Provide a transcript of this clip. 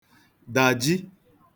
dàjì